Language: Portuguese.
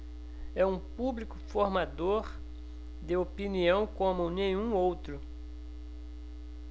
é um público formador de opinião como nenhum outro